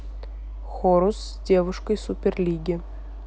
horus с девушкой суперлиги